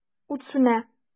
Ут сүнә.